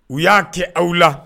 U y'a kɛ aw la